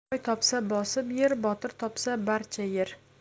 boy topsa bosib yer botir topsa barcha yer